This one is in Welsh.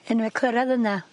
Eniww clyredd yna